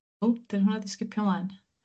Ww, 'di hwnna 'di sgipio ymlaen?